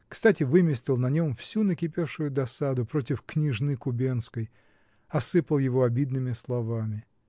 кстати, выместил на нем всю накипевшую досаду против княжны Кубенской, осыпал его обидными словами.